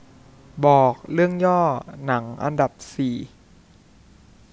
บอกเรื่องย่อหนังอันดับสี่